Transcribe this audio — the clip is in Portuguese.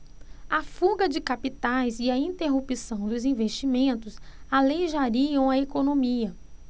a fuga de capitais e a interrupção dos investimentos aleijariam a economia